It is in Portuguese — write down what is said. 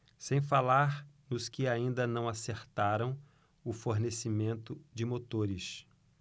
sem falar nos que ainda não acertaram o fornecimento de motores